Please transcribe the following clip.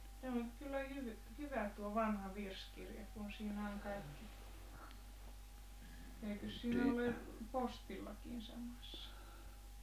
tämä on kyllä hyvä tuo vanha virsikirja kun siinä on kaikki eikös siinä ollut jo postillakin samassa